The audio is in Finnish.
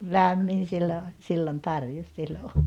lämmin silloin oli silloin tarkeni siellä olla